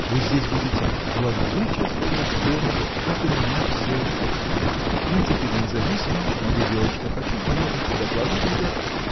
Вы здесь будете владычествовать в доме, как у меня в сердце. Я теперь независима могу делать что хочу поехать куда глаза глядят